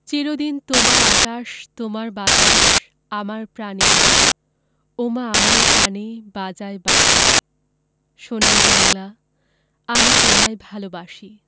চির দিন তোমার আকাশ তোমার বাতাস আমার প্রাণে ওমা আমার প্রানে বাজায় বাঁশি সোনার বাংলা আমি তোমায় ভালোবাসি